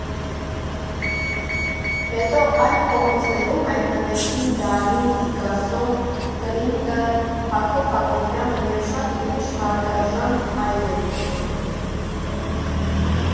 Հետո այլ փողոցներում հայտնվեցին Դալին, Պիկասոն, Կլիմտը, Հակոբ Հակոբյանը և շատ ուրիշ հարգարժան այրեր։